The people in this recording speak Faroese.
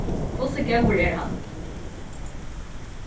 hvussu góður er hann